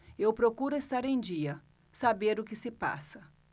eu procuro estar em dia saber o que se passa